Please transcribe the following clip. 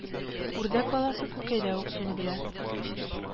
Үрдәк баласы күкәйдә үк суны белә